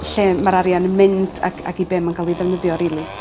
Lle ma'r arian yn mynd ac ac i be' ma'n ga'l i ddefnyddio rili.